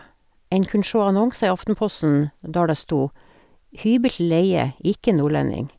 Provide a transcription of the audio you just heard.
En kunne sjå annonser i Aftenposten der det stod Hybel til leie, ikke nordlending.